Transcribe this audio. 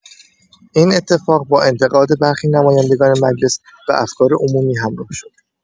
این اتفاق با انتقاد برخی نمایندگان مجلس و افکار عمومی همراه شد.